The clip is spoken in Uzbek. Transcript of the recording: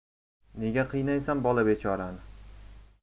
nega qiynaysan bola bechorani